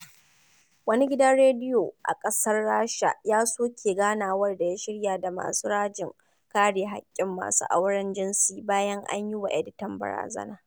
Wani gidan rediyo a ƙasar Rasha ya soke ganawar da ya shirya da masu rajin kare haƙƙin masu auren jinsi bayan an yi wa editan barazana